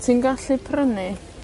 ti'n gallu prynu